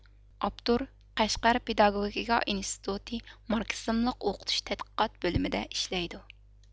ئاپتور قەشقەر پېداگوگىكا ئىنستىتۇتى ماركسىزملىق ئوقۇتۇش تەتقىقات بۆلۈمىدە ئىشلەيدۇ